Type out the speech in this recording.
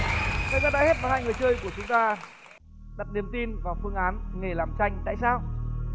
thời gian đã hết và hai người chơi của chúng ta đặt niềm tin vào phương án nghề làm tranh tại sao